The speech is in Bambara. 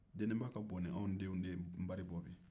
deniba ka buwɔ ni anw denw de ye nbari bɔ bi